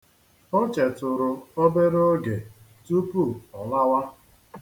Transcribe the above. O chetụrụ obere oge tupu ọ lawa.